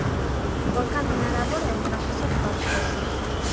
Որքան հնարավոր է հեռախոսով կարճ խոսի՛ր։